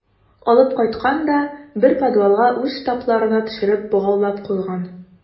Алып кайткан да бер подвалга үз штабларына төшереп богаулап куйган.